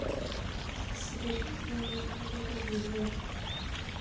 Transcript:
так собери твою мамку я бы выебал